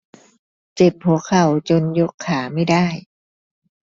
เจ็บหัวเข่าจนยกขาไม่ได้